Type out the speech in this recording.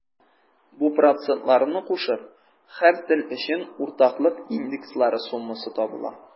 Бу процентларны кушып, һәр тел өчен уртаклык индекслары суммасы табыла.